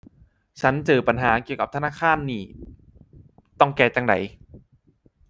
ฉันเจอปัญหาเกี่ยวกับธนาคารนี้ ต้องแก้จั่งใด